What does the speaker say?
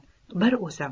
bir o'zim